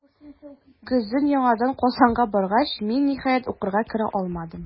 Көзен яңадан Казанга баргач, мин, ниһаять, укырга керә алдым.